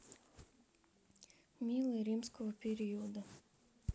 милый римского периода